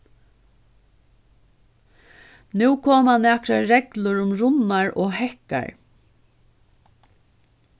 nú koma nakrar reglur um runnar og hekkar